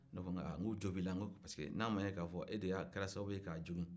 ne ko aa u jɔ b'i la parce que n'a ma ɲɛ ke de kɛra sababu ye k'a jogin